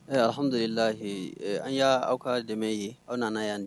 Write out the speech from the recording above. Hammudulila eee an y'a aw ka dɛmɛ ye aw nan yan dɛ